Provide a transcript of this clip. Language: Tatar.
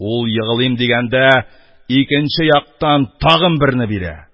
Ул егылыйм дигәндә, икенче яктан тагы берне бирә.